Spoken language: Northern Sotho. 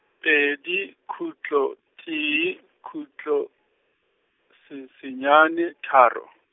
pedi, khutlo, tee, khutlo, se senyane, tharo.